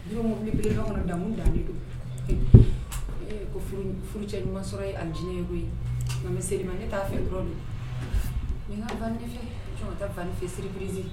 Jɔn bɛ ɲɔgɔn damu dan de don ko furu cɛ ɲuman sɔrɔ ye a diɲɛ ye ko ye nka mɛ se ma ne t'a fɛ yɔrɔ min n ka taa siribisi